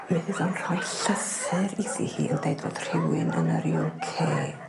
mi fydd o'n rhoi llythyr iddi hi yn deud fod rhywun yn yr You Kay